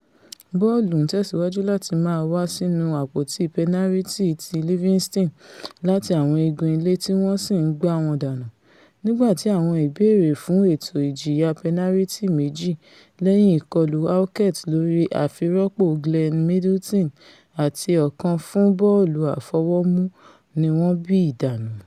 Bọ́ọ̀lù ńtẹ̀síwájú láti máa wá sínú àpòtí pẹnariti ti Livinston láti àwọn igun-ilé tí wọ́n sì ń gbá wọn dànu, nígbàti àwọn ìbèèrè fún ẹ̀tọ́ ìjìyà pẹnariti méjì -lẹ́yìn i̇̀kọlù Halkett lórí àfirọ́pò Glenn Middleton, àti ọ̀kan fún bọ́ọ̀lù àfọwọ́mù - ni wọ́n bí dànù.